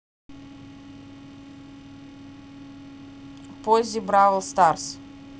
поззи бравл старс